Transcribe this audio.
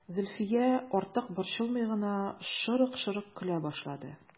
Зөлфия, артык борчылмый гына, шырык-шырык көлә башлады.